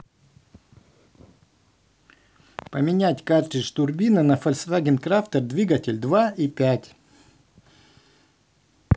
поменять картридж турбины на фольксваген крафтер двигатель два и пять